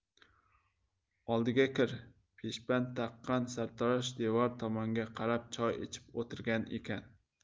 oldiga kir peshband taqqan sartarosh devor tomonga qarab choy ichib o'tirgan ekan